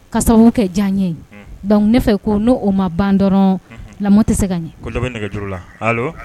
Ka sababu kɛ diya ye. Un. Donc ne fɛ ko n'o, o ma ban dɔrɔn. Unhun. Lamɔ tɛ se ka ɲɛ. Ko dɔ bɛ nɛgɛjuru la.